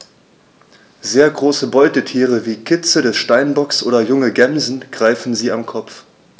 Sehr große Beutetiere wie Kitze des Steinbocks oder junge Gämsen greifen sie am Kopf.